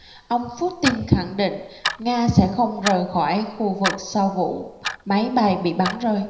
ông putin khẳng định nga sẽ không rời khỏi khu vực sau vụ máy bay bị bắn rơi